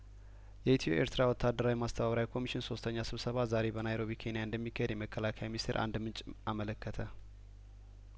የኢትዮ ኤርትራ ወታደራዊ ማስተባበሪያ ኮሚሽን ሶስተኛ ስብሰባ ዛሬ በናይሮቢ ኬንያ እንደሚካሄድ የመከላከያ ሚኒስቴር አንድ ምንጭ አመለከተ